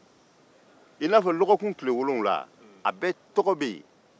i n'a fɔ dɔgɔkun tile wolonfila bɛɛ tɔgɔ bɛ yen